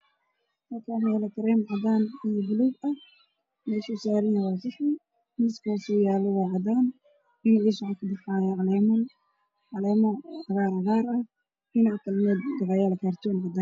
Halkaan waxaa yaalo kareen